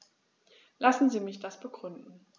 Lassen Sie mich das begründen.